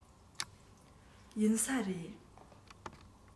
ཡིན ས རེད